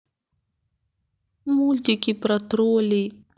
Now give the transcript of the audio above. мультики про троллей